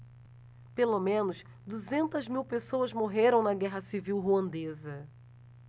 pelo menos duzentas mil pessoas morreram na guerra civil ruandesa